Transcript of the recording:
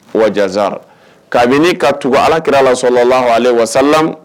Wa kabini ka tugu alaki la solɔn la ale wa sa